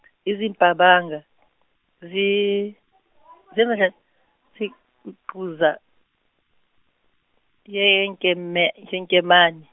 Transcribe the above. izimpabanga, zi-, zibuquza, yenkeme- yinkemane.